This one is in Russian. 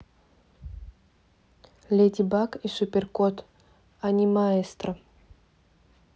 леди баг и супер кот анимаэстро